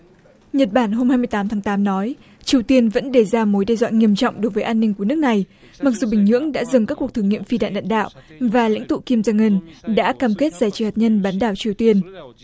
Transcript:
nhật bản hôm hai mươi tám tháng tám nói triều tiên vẫn đề ra mối đe dọa nghiêm trọng đối với an ninh của nước này mặc dù bình nhưỡng đã dừng các cuộc thử nghiệm phi đạn đạn đạo và lãnh tụ kim giăng ưn đã cam kết giải trừ hạt nhân bán đảo triều tiên